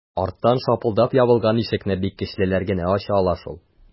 Арттан шапылдап ябылган ишекне бик көчлеләр генә ача ала шул...